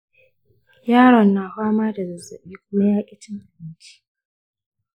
yaron na fama da zazzabi kuma ya ki cin abinci